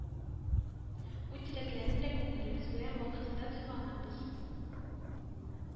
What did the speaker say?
Уй-теләкләрен дә күңелебез белән вакытында тоймаганбыз.